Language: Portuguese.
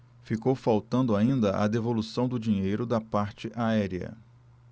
ficou faltando ainda a devolução do dinheiro da parte aérea